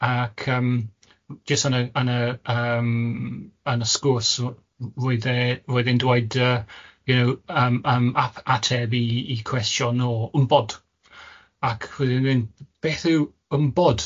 ...ac ymm jyst yn y yn y ymm yn y sgwrs r- roedd e roedd e'n dweud yy, you know ymm ymm ap- ateb i i cwestiwn o ymbod ac roedd e'n mynd beth yw ymbod?